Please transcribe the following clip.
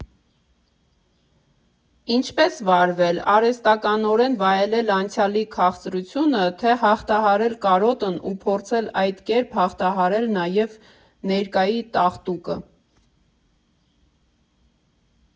Ինչպե՞ս վարվել՝ արհեստականորեն վայելել անցյալի քաղցրությո՞ւնը, թե՞ հաղթահարել կարոտն ու փորձել այդ կերպ հաղթահարել նաև ներկայի տաղտուկը։